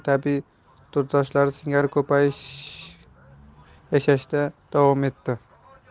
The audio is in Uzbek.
tabiiy turdoshlari singari ko'payib yashashda davom etdi